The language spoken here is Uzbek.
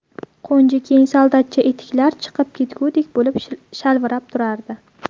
qo'nji keng soldatcha etiklari chiqib ketgudek bo'lib shalvirab turardi